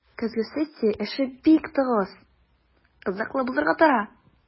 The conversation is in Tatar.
Көзге сессия эше бик тыгыз, кызыклы булырга тора.